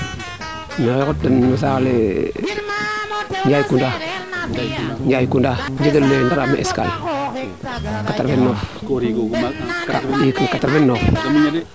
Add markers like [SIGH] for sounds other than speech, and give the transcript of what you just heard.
saax le yay Kounda Yaay Kounda a gem mene a ngaraf escale [UNINTELLIGIBLE] i 89